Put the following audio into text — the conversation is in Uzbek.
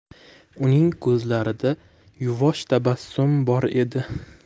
uning ko'zlarida yuvosh tabassum bor edi